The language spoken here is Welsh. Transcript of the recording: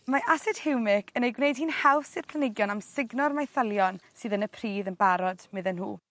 Mae asid hiwmic yn eu gwneud hi'n haws i'r planigion amsugno'r maethylion sydd yn y pridd yn barod medden nhw.